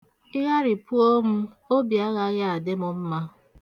Ị gharịpụo m, obi agaghị adị m mma.